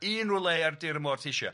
Unryw le ar dir y môr ti isia.